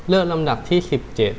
เลือกลำดับที่สิบเจ็ด